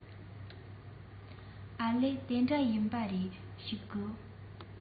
ཨ ལས དེ འདྲ ཡིན པ རེད བཞུགས དགོ